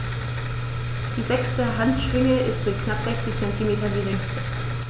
Die sechste Handschwinge ist mit knapp 60 cm die längste.